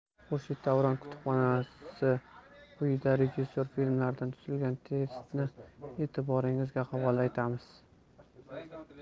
xurshid davron kutubxonasiquyida rejissor filmlaridan tuzilgan testni e'tiboringizga havola etamiz